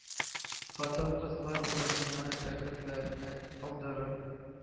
Хатын-кызлар урынына шәкертләрне алдырып,